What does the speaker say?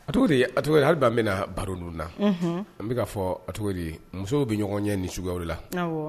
A tɔgɔ ye di , hali bi an bɛna baro ninnu na, unhun, an bɛka'fɔ a tɔgɔ ye di musow bɛ ɲɔgɔn ɲɛ ni suguw la., awɔ.